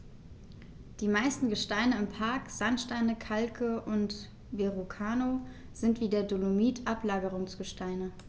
Die meisten Gesteine im Park – Sandsteine, Kalke und Verrucano – sind wie der Dolomit Ablagerungsgesteine.